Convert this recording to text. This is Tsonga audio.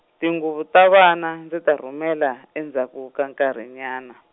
tinguvu ta vana, ndzi ta rhumela, endzhaku ka nkarhinyana.